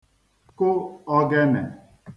kụ ọ̄gẹ̄nẹ̀